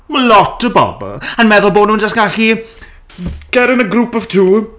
Ma' lot o bobl yn meddwl bod nhw'n jyst gallu get in a group of two...